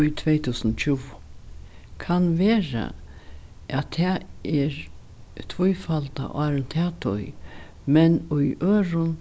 í tvey túsund og tjúgu kann vera at tað er tvífaldað áðrenn ta tíð men í øðrum